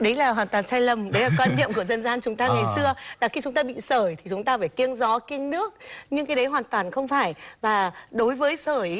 đấy là hoàn toàn sai lầm đấy là quan niệm của dân gian chúng ta ngày xưa là khi chúng ta bị sởi thì chúng ta phải kiêng gió kiêng nước nhưng cái đấy hoàn toàn không phải và đối với sởi